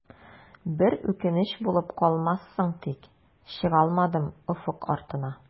Бер үкенеч булып калмассың тик, чыгалмадым офык артына.